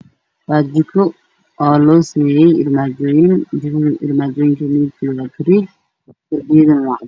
Waa jiko losameyy armajoyin madabkeedo waa gareey dirbigunah waa cadan